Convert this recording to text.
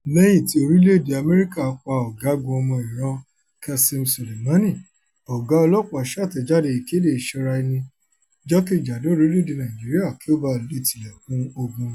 Lẹ́yìn tí orílẹ̀-èdèe Amẹ́ríkà pa Ọ̀gágun ọmọ Iran Qasem Soleimani, ọ̀gá ọlọ́pàá ṣàtẹ̀jáde ìkéde ìṣọ́ra-ẹni jákèjádò orílẹ̀-èdè Nàìjíríà kí ó ba lè tilẹ̀kùn "ogun".